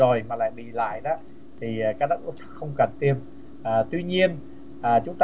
rồi mà lại bị lại thì không cần tiêm tuy nhiên à chúng ta